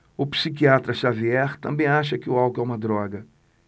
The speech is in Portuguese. o psiquiatra dartiu xavier também acha que o álcool é uma droga